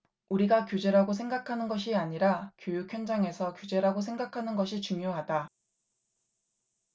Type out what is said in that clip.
우리가 규제라고 생각하는 것이 아니라 교육 현장에서 규제라고 생각하는 것이 중요하다